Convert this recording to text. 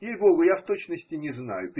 Ей-богу, я в точности не знаю.